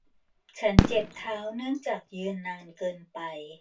ฉันเจ็บเท้าเนื่องจากยืนนานเกินไป